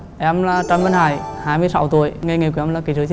em là trần văn hải hai mươi sáu tuổi nghề nghiệp của em là kĩ sư